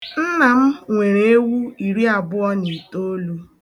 Nna m nwere ewu iri abụọ na itoolu.